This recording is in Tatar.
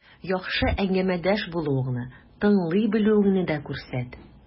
Яхшы әңгәмәдәш булуыңны, тыңлый белүеңне дә күрсәт.